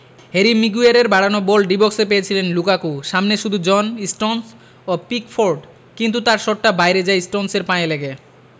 Harry মিগুয়েরের বাড়ানো ball D বক্সে পেয়েছিলেন লুকাকু সামনে শুধু জন স্টোনস ও পিকফোর্ড কিন্তু তাঁর শটটা বাইরে যায় স্টোনসের পায়ে লেগে